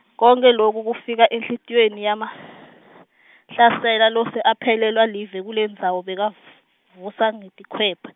konkhe loku kufika enhlitiyweni yaMahlasela lose aphelelwa live kulendzawo bekav- -vusa ngetikhwepha.